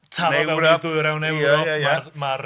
Yn taro fewn i ddwyrain Ewrop. Mae'r... mae'r...